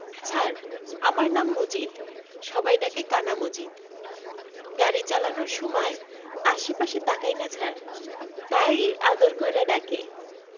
ছার আমার নাম মজিদ সবাই ডাকে কানা মজিদ গাড়ি চালানের সুমায় আশে পাশে তাকাইনা ছার তাই আদর কইরা ডাকে...